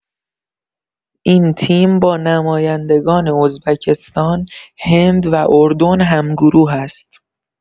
این تیم با نمایندگان ازبکستان، هند و اردن هم‌گروه است.